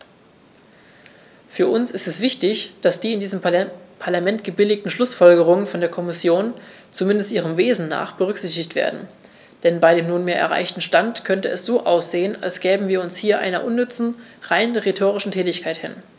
Für uns ist es wichtig, dass die in diesem Parlament gebilligten Schlußfolgerungen von der Kommission, zumindest ihrem Wesen nach, berücksichtigt werden, denn bei dem nunmehr erreichten Stand könnte es so aussehen, als gäben wir uns hier einer unnütze, rein rhetorischen Tätigkeit hin.